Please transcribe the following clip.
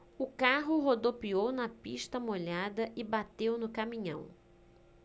o carro rodopiou na pista molhada e bateu no caminhão